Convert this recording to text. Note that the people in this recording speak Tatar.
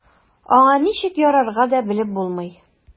Аңа ничек ярарга да белеп булмый.